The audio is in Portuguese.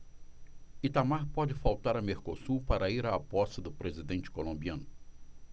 itamar pode faltar a mercosul para ir à posse do presidente colombiano